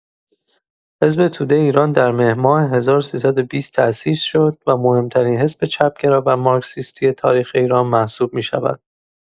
حزب توده ایران در مهرماه ۱۳۲۰ تأسیس شد و مهم‌ترین حزب چپ‌گرا و مارکسیستی تاریخ ایران محسوب می‌شود.